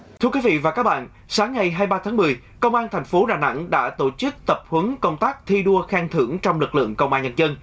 thưa quý vị và các bạn sáng ngày hai ba tháng mười công an thành phố đà nẵng đã tổ chức tập huấn công tác thi đua khen thưởng trong lực lượng công an nhân dân